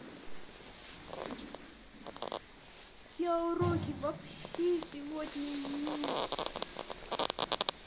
я уроки вообще сегодня не